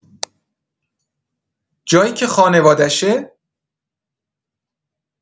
جایی که خانواده‌شه؟